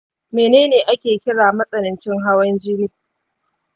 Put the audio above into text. menene ake ƙira matsanancin hawan jini?